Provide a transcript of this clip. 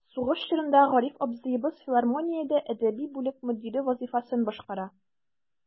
Сугыш чорында Гариф абзыебыз филармониядә әдәби бүлек мөдире вазыйфасын башкара.